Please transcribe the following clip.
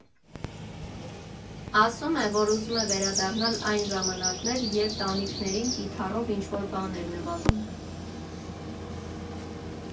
Ասում է, որ ուզում է վերադառնալ այն ժամանակներ, երբ տանիքներին կիթառով ինչ֊որ բան էր նվագում։